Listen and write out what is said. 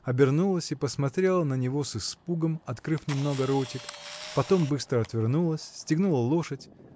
обернулась и посмотрела на него с испугом открыв немного ротик потом быстро отвернулась стегнула лошадь